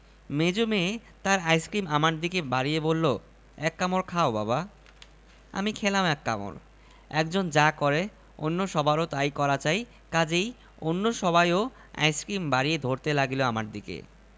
দোকানী অমিকে বেকুব ঠাওড়ালী কিনা জানি এক বুড়োর মতী ধরিয়ে দিল বুড়োটি খালি গায়ে বসে আছে হাতে হুঁকো বাতাস পেলেই সমানে মাথা নাড়ছে